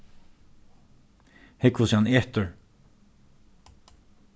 hygg hvussu hann etur